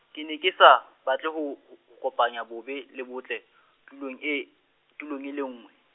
ke ne ke sa, batle ho, ho kopanya bobe le botle , tulong e, tulong e le nngwe.